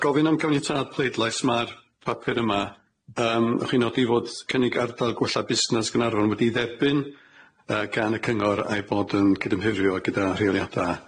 Yy gofyn am ganiatad pleidlais ma'r papur yma yym allwch chi nodi fod cynnig ardal gwella busnes Gaernarfon wedi'i dderbyn yy gan y cyngor a'i bod yn cydymffurfio gyda rheoliadau.